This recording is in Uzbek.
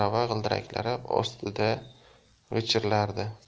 arava g'ildiraklari ostida g'ichirlardi